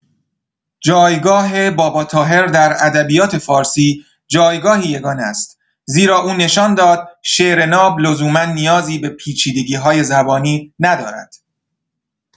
جایگاه باباطاهر در ادبیات فارسی جایگاهی یگانه است، زیرا او نشان داد شعر ناب لزوما نیازی به پیچیدگی‌های زبانی ندارد.